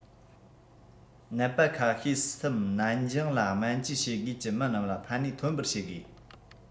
ནད པ ཁ ཤས འམ ནར འགྱངས ལ སྨན བཅོས བྱེད དགོས ཀྱི མི རྣམས ལ ཕན ནུས ཐོན པར བྱེད དགོས